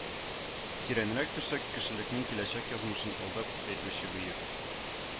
Тирәнрәк төшсәк кешелекнең киләчәк язмышын алдан әйтүче бөек